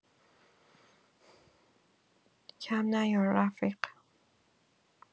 کم نیار رفیق!